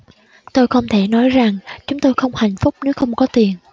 tôi không thể nói rằng chúng tôi không hạnh phúc nếu không có tiền